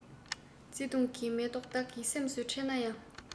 བརྩེ དུང གི མེ ཏོག བདག གི སེམས སུ འཁྲེན ན ཡང